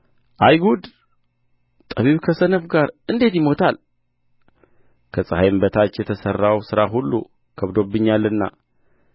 አዬ ጉድ ጠቢብ ከሰነፍ ጋር እንዴት ይሞታል ከፀሐይም በታች የተሠራው ሥራ ሁሉ ከብዶብኛልና